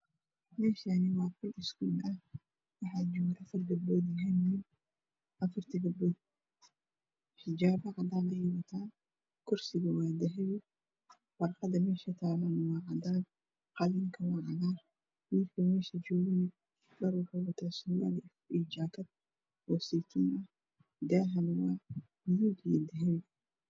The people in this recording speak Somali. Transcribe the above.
Halkani waa qol fasal ah waxaa joohan afar gabdhood oo watan xijabyo cadees ah kurastana waa cades waraqda saran waa cadan nin ayaa la jooga oo wata sud madow ah